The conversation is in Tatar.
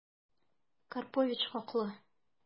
Карпович хаклы...